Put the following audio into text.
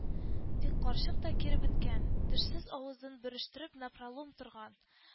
Тик карчык та киребеткән, тешсез авызын бөрештереп напралум торган: